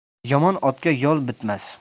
yomon otga yoi bitmas